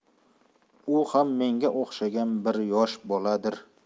u ham menga o'xshagan bir yosh boladir